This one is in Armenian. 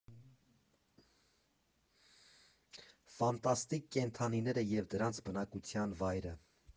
Ֆանտաստիկ կենդանիները և դրանց բնակության վայրը։